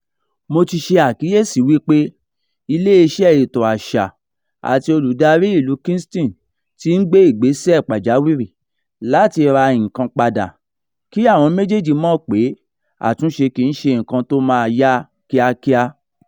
Mo ti ṣe àkíyèsí wípé Iléeṣẹ́ Ètò Àṣà àti Olùdarí ìlúu Kingston ti ń gbé ìgbésẹ̀ẹ pàjáwìrì láti ra nǹkan padà. Kí àwọn méjèèjì mọ̀ pé àtúnṣe kì í ṣe nǹkan tó ma yá kíákíá.